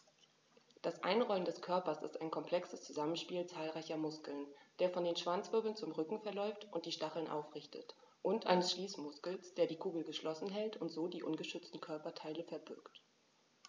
Das Einrollen des Körpers ist ein komplexes Zusammenspiel zahlreicher Muskeln, der von den Schwanzwirbeln zum Rücken verläuft und die Stacheln aufrichtet, und eines Schließmuskels, der die Kugel geschlossen hält und so die ungeschützten Körperteile verbirgt.